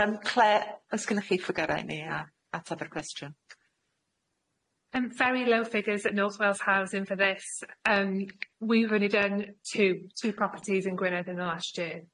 Yym Clare os gynnoch chi ffigyrau i ni a ateb yr gwestiwn. Yym very low figures at North Wales House in for this yym we've only done two two properties in Gwynedd in the last year.